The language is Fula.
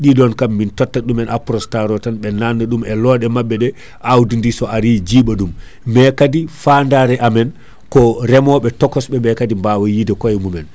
ɗiɗon kam min tottat ɗumen Aprostar o tan ɓe nanna ɗum e looɗe mabɓe ɗe awdidi so ari jiiɓa ɗum mais kaadi fandare amen ko reemoɓe tokosɓeɓe kaadi bawa yiide koye mumen